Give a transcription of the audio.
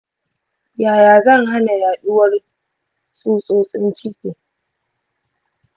yaya zan hana yaɗuwar tsutsotsin ciki?